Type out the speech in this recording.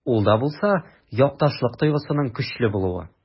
Ул да булса— якташлык тойгысының көчле булуы.